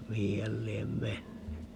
mihin hän lie mennyt